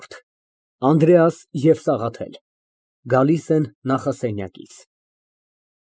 Վարագույրը բարձրանալիս բեմում տիրում է կիսախավար։ Բոլոր դռները ծածկված են, միայն նախասենյակի դռների մի թևը բաց է։